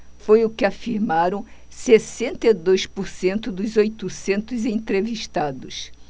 foi o que afirmaram sessenta e dois por cento dos oitocentos entrevistados